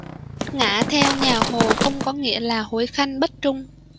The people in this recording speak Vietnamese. ngả theo nhà hồ không có nghĩa là hối khanh bất trung